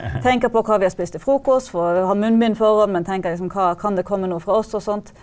tenker på hva vi har spist til frokost har munnbind foran, men tenker liksom kan det komme noe fra oss og sånt.